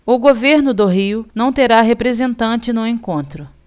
o governo do rio não terá representante no encontro